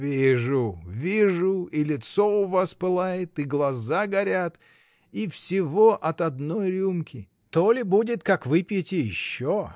— Вижу, вижу: и лицо у вас пылает, и глаза горят — и всего от одной рюмки: то ли будет, как выпьете еще!